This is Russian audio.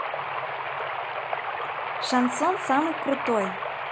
шансон самый крутой